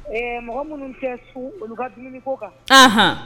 Ɛɛ mɔgɔ minnu cɛ su olu ka dumuni ko kan